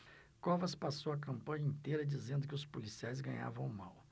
covas passou a campanha inteira dizendo que os policiais ganhavam mal